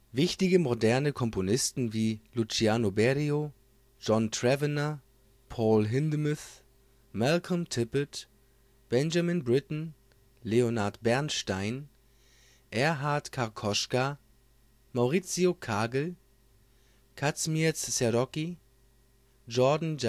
Wichtige moderne Komponisten wie Luciano Berio, John Tavener, Paul Hindemith, Malcolm Tippet, Benjamin Britten, Leonard Bernstein, Erhard Karkoschka, Mauricio Kagel, Kazimierz Serocki, Gordon